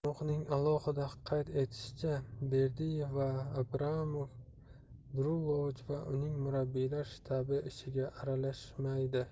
moq'ning alohida qayd etishicha berdiyev va abramov drulovich va uning murabbiylar shtabi ishiga aralashmaydi